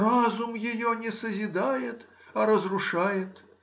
Разум ее не созидает, а разрушает